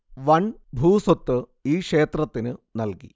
വന്‍ ഭൂസ്വത്ത് ഈ ക്ഷേത്രത്തിന് നല്‍കി